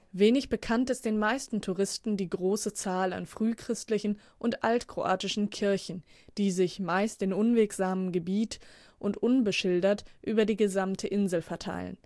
Wenig bekannt ist den meisten Touristen die große Zahl an frühchristlichen und altkroatischen Kirchen, die sich – meist in unwegsamem Gebiet und unbeschildert – über die gesamte Insel verteilen